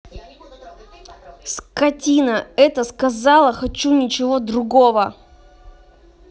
скотина это сказала хочу ничего другого